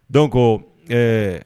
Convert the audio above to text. Don ko ɛɛ